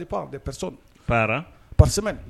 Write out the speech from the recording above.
P so fa pasimɛ